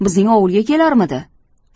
bizning ovulga kelarmidi